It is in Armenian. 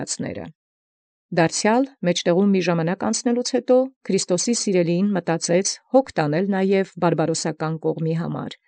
Կորյուն Դարձեալ յետ ժամանակի ինչ ընդ մէջ անցելոյ՝ հոգ ի մտի արկանէր սիրելին Քրիստոսի և վասն բարբարոսական կողմանն։